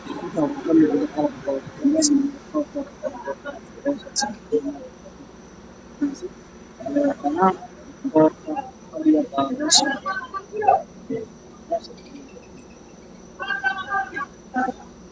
Waa meel korontoda